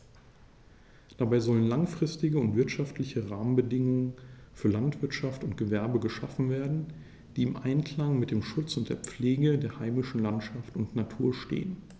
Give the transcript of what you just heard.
Dabei sollen langfristige und wirtschaftliche Rahmenbedingungen für Landwirtschaft und Gewerbe geschaffen werden, die im Einklang mit dem Schutz und der Pflege der heimischen Landschaft und Natur stehen.